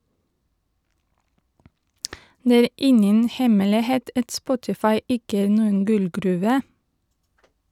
- Det er ingen hemmelighet at Spotify ikke er noen gullgruve.